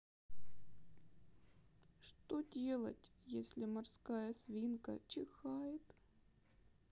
что делать если морская свинка чихает